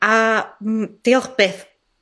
A m- diolch byth